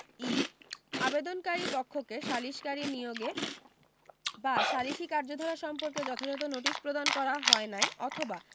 ই আবেদনকারী পক্ষকে সালিসকারী নিয়োগে বা সালিসী কার্যধারা সম্পর্কে যথাযথ নোটিশ প্রদান করা হয় নাই অথবা